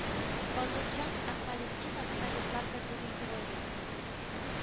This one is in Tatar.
Фазылҗан Әхмәлетдинов Советлар Берлеге Герое